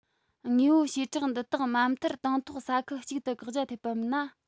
དངོས པོའི བྱེ བྲག འདི དག མ མཐར དང ཐོག ས ཁུལ གཅིག ཏུ བཀག རྒྱ ཐེབས པ མིན ན